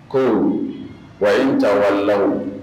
Ko wa in n taawa la